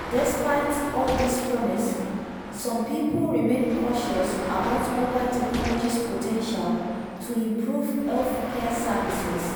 Despite all this promise, some people remain cautious about mobile technology's potential to improve healthcare services.